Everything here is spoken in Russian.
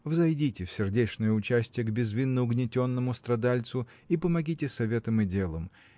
взойдите в сердечное участие к безвинно-угнетенному страдальцу и помогите советом и делом.